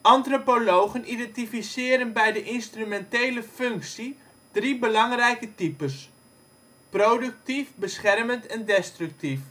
Antropologen identificeren bij de instrumentele functie drie belangrijke types: productief, beschermend en destructief